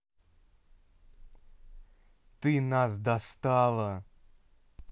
ты нас достала